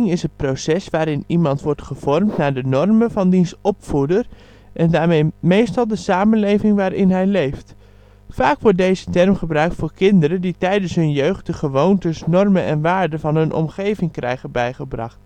is het proces waarin iemand wordt gevormd naar de normen van diens opvoeder (s) en daarmee meestal de samenleving waarin hij leeft. Vaak wordt deze term gebruikt voor kinderen, die tijdens hun jeugd de gewoontes, normen en waarden van hun omgeving krijgen bijgebracht